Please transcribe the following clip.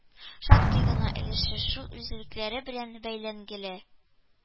Шактый гына өлеше шул үзәкләр белән бәйләнгәнлеге